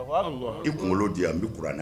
I kunkolo di yan n bɛ kuran